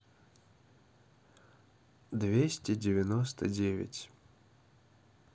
двести девяносто девять